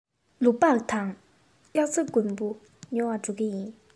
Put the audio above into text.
ལུག པགས དང དབྱར རྩྭ དགུན འབུ ཉོ བར འགྲོ གི ཡིན